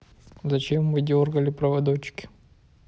зачем вы дергали проводочки